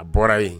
A bɔra yen